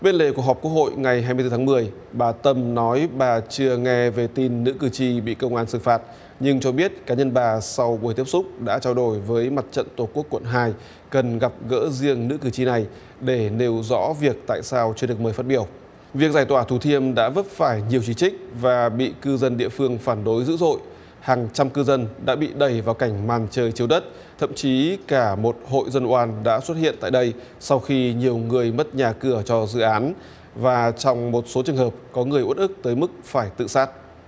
bên lề cuộc họp quốc hội ngày hai mươi tư tháng mười bà tâm nói bà chưa nghe về tin nữ cử tri bị công an xử phạt nhưng cho biết cá nhân bà sau buổi tiếp xúc đã trao đổi với mặt trận tổ quốc quận hai cần gặp gỡ riêng nữ cử tri này để nêu rõ việc tại sao chưa được mời phát biểu việc giải tỏa thủ thiêm đã vấp phải nhiều chỉ trích và bị cư dân địa phương phản đối dữ dội hàng trăm cư dân đã bị đẩy vào cảnh màn trời chiếu đất thậm chí cả một hội dân oan đã xuất hiện tại đây sau khi nhiều người mất nhà cửa cho dự án và trong một số trường hợp có người uất ức tới mức phải tự sát